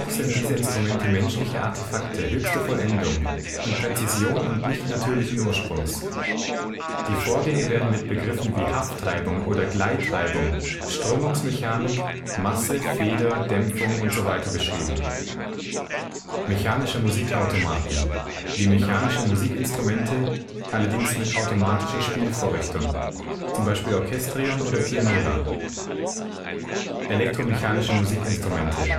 sind diese Instrumente menschliche Artefakte höchster Vollendung und Präzision und nicht natürlichen Ursprungs. Die Vorgänge werden mit Begriffen wie Haftreibung oder Gleitreibung, Strömungsmechanik, Masse, Feder, Dämpfung usw. beschrieben. Mechanische Musikautomaten, wie mechanische Musikinstrumente, allerdings mit automatischer Spielvorrichtung. (z. B. Orchestrion, Pianola) Elektromechanische Musikinstrumente